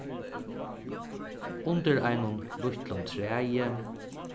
undir einum lítlum træi